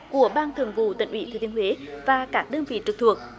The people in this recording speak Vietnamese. của ban thường vụ tỉnh ủy thừa thiên huế và các đơn vị trực thuộc